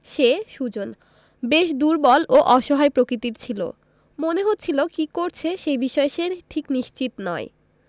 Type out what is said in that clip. সে সুজন বেশ দুর্বল ও অসহায় প্রকৃতির ছিল মনে হচ্ছিল কী করছে সেই বিষয়ে সে ঠিক নিশ্চিত নয়